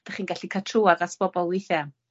dach chi'n gallu ca'l trwad at bobol weithia'